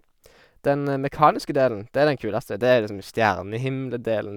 Den mekaniske delen, det er den kuleste, det er liksom stjernehimmel-delen.